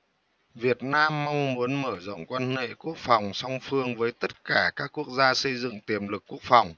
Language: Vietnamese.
việt nam mong muốn mở rộng quan hệ quốc phòng song phương với tất cả các quốc gia xây dựng tiềm lực quốc phòng